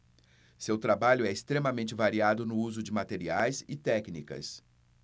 seu trabalho é extremamente variado no uso de materiais e técnicas